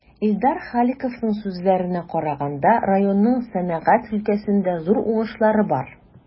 Илдар Халиковның сүзләренә караганда, районның сәнәгать өлкәсендә зур уңышлары бар.